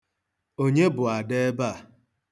Onye bụ ada ebe a?